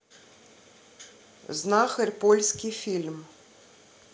знахарь польский фильм